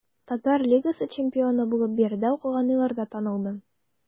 Татар лигасы чемпионы булып биредә укыган елларда танылдым.